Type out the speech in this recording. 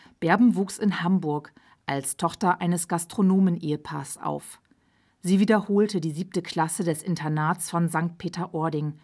Berben wuchs in Hamburg als Tochter eines Gastronomen-Ehepaars auf. Sie wiederholte die siebte Klasse des Internats von St. Peter-Ording